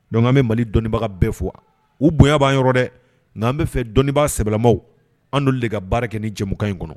Donc an bi Mali dɔnnibaga bɛɛ fo. U bonya ban yɔrɔ dɛ , nga an bɛ fɛ dɔnnibaa sɛbɛlamanw an nolun de ka baara kɛ nin jɛmukan in kɔnɔ.